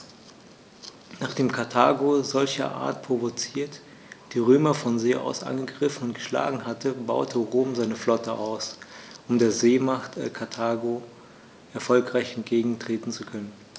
Nachdem Karthago, solcherart provoziert, die Römer von See aus angegriffen und geschlagen hatte, baute Rom seine Flotte aus, um der Seemacht Karthago erfolgreich entgegentreten zu können.